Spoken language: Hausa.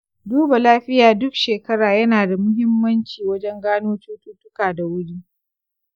duba lafiya duk shekara yana da muhimmanci wajen gano cuttuttuka da wuri.